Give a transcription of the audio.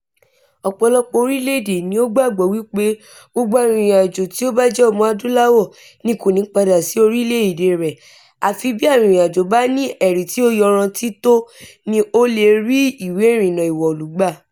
Ọ̀pọ̀lọpọ̀ orílẹ̀-èdè ni ó nígbàgbọ́ wípé gbogbo arìnrìnàjò tí ó bá jẹ́ Ọmọ-adúláwọ̀ ni kò ní padà sí orílẹ̀-èdèe rẹ̀, àfi bí arìnrìnàjó bá ní ẹ̀rí tí ó yanrantí tó ni ó lè rí ìwé ìrìnnà ìwọ̀lú gbà.